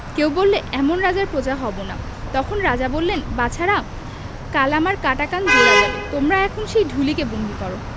কেউ বললে এমন রাজার প্ৰজা হব না তখন রাজা বললেন বাছারা কাল আমার কাটা কান জোড়া যাবে তোমরা এখন সেই ঢুলিকে বন্দী কর